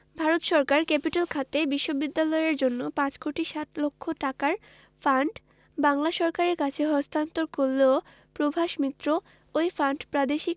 ভারত সরকার ক্যাপিটেল খাতে বিশ্ববিদ্যালয়ের জন্য ৫ কোটি ৬০ লাখ টাকার ফান্ড বাংলা সরকারের কাছে হস্তান্তর করলেও প্রভাস মিত্র ওই ফান্ড প্রাদেশিক